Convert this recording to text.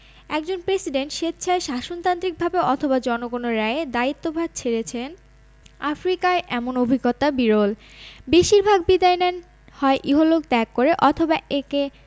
একজন প্রেসিডেন্ট স্বেচ্ছায় শাসনতান্ত্রিকভাবে অথবা জনগণের রায়ে দায়িত্বভার ছেড়েছেন আফ্রিকায় এমন অভিজ্ঞতা বিরল বেশির ভাগ বিদায় নেন হয় ইহলোক ত্যাগ করে অথবা একে